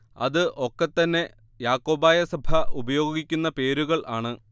അത് ഒക്കെ തന്നെ യാക്കോബായ സഭ ഉപയോഗിക്കുന്ന പേരുകൾ ആണ്